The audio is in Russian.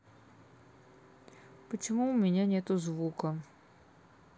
почему у меня нету звука